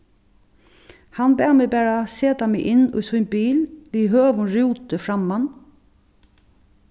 hann bað meg bara seta meg inn í sín bil við høgum rúti framman